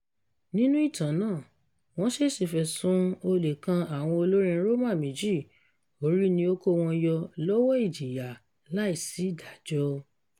Nínú ìtàn náà, wọ́n ṣèṣì fẹ̀sùn olè kan àwọn olórin Roma méjì, orí ni ó kó wọn yọ lọ́wọ́ ìjìyà láìsí ìdájọ́.